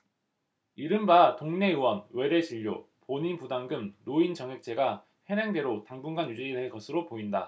이른바 동네의원 외래진료 본인부담금 노인정액제가 현행대로 당분간 유지될 것으로 보인다